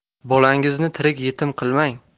bolangizni tirik yetim qilmang